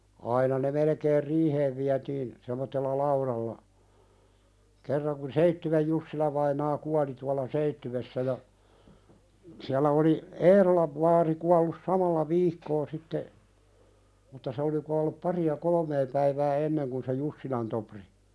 aina ne melkein riiheen vietiin semmoisella laudalla kerran kun Seitsiön Jussila-vainaa kuoli tuolla Seitsiössä ja siellä oli Eerolan vaari kuollut samalla viikkoa sitten mutta se oli kuollut paria kolmea päivää ennen kuin se Jussilan Topri